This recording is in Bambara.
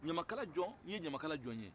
ɲamakala jɔn ye ɲamakala jɔn ye